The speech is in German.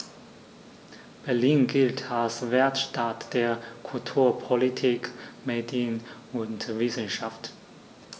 Berlin gilt als Weltstadt der Kultur, Politik, Medien und Wissenschaften.